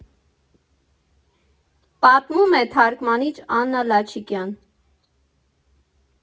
Պատմում է թարգմանիչ Աննա Լաչիկյան։